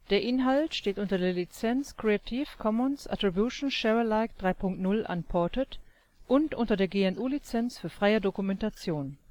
Inhalt steht unter der Lizenz Creative Commons Attribution Share Alike 3 Punkt 0 Unported und unter der GNU Lizenz für freie Dokumentation